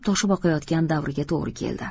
toshib oqayotgan davriga to'g'ri keldi